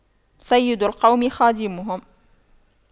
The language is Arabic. سيد القوم خادمهم